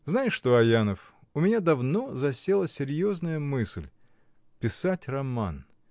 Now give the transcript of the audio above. Знаешь что, Аянов: у меня давно засела серьезная мысль — писать роман.